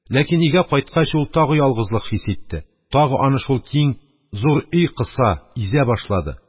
Ләкин өйгә кайткач, ул тагы ялгызлык хис итте, тагы аны шул киң, зур өй кыса, изә башлады.